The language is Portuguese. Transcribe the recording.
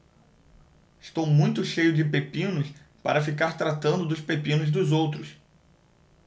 estou muito cheio de pepinos para ficar tratando dos pepinos dos outros